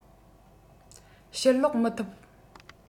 ཕྱིར ལོག མི ཐུབ